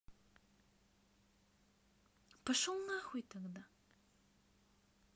пошел на хуй тогда